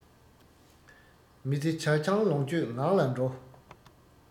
མི ཚེ ཇ ཆང ལོངས སྤྱོད ངང ལ འགྲོ